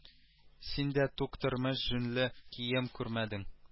Син дә тук тормыш җүнле кием күрмәдең